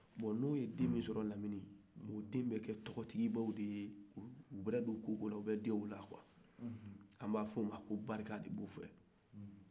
bon n'o ye den minu sɔrɔ lamini o denw be kɛ tɔgɔtibaw de ye u mana don ko o ko la a bɛ diya u la quoi an b'a fɔ o ma ko barika de d'o fɛ